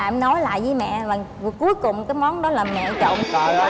em nói lại với mẹ lần cuối cùng cái món đó là mẹ trộn